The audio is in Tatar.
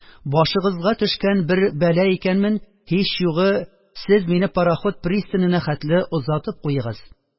Башыгызга төшкән бер бәла икәнмен, һич югы, сез мине пароход пристанена хәтле озатып куегыз.